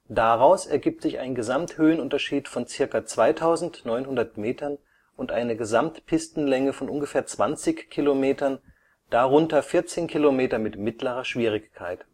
Daraus ergibt sich ein Gesamthöhenunterschied von zirka 2900 Metern und eine Gesamtpistenlänge von ungefähr 20 Kilometern, darunter 14 km mit mittlerer Schwierigkeit